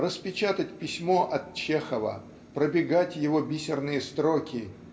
Распечатать письмо от Чехова, пробегать его бисерные строки